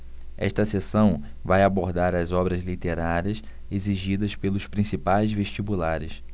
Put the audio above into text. esta seção vai abordar as obras literárias exigidas pelos principais vestibulares